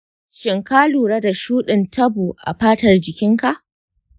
shin ka lura da shuɗin tabo a fatar jikinka?